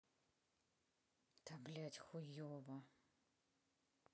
там блять хуево